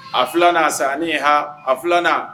A filanan a san ni ye h a filanan